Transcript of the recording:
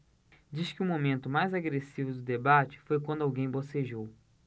diz que o momento mais agressivo do debate foi quando alguém bocejou